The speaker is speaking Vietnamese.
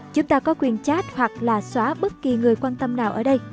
chúng ta có quyền chat hoặc là xóa bất kì người quan tâm nào ở đây